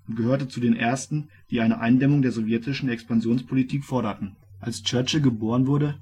gehörte zu den ersten, die eine Eindämmung der sowjetischen Expansionspolitik forderten. Als Churchill geboren wurde